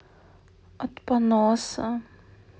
от поноса